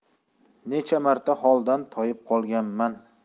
necha marta holdan toyib qolganman